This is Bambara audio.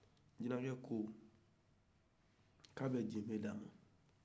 jine cɛ ko k'a bɛ jenbe di a ma